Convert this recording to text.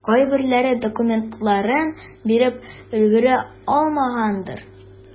Кайберләре документларын биреп өлгерә алмагандыр.